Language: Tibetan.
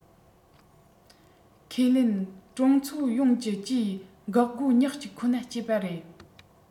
ཁས ལེན གྲོང ཚོ ཡོངས ཀྱི སྤྱིའི འགག སྒོ ཉག གཅིག ཁོ ན སྤྱད པ རེད